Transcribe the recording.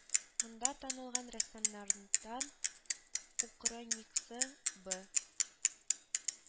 Монда танылган рәссамнардан Кукрыниксы, Бы